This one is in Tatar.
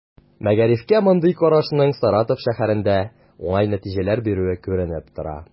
Мәгарифкә мондый карашның Саратов шәһәрендә уңай нәтиҗәләр бирүе күренеп тора.